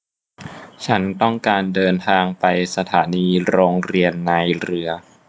ฉันต้องการเดินทางไปสถานีโรงเรียนนายเรือ